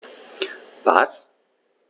Was?